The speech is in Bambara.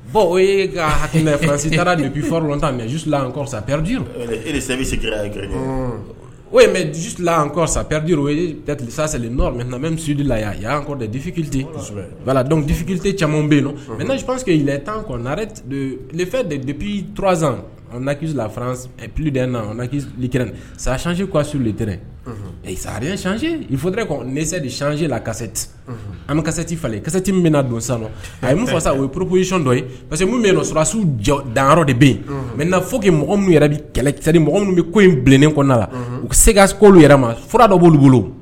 Bɔn o ye ka ha mɛsi nin pfa tan kɔ pridi e ola kɔ sa pɛridi o mɛ na bɛ susudi la' kɔ dɛ difite dɔn difite caman bɛ yen mɛ nasifa tanre dep tzki pplidli sactilit ɛ sarecse ise decse lasɛti an bɛ kasɛti falen kasɛti bɛna don sa asa o ye purp isi dɔ ye parce quesiw jɔ danyɔrɔ de bɛ yen mɛ n' fɔ mɔgɔ min yɛrɛ bɛ kɛlɛ ni mɔgɔ min bɛ ko in bilennen kɔnɔna la u se ka k olu yɛrɛ ma fura dɔ b'olu bolo